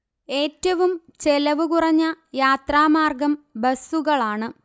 ഏറ്റവും ചെലവ് കുറഞ്ഞ യാത്രാ മാർഗ്ഗം ബസ്സുകളാണ്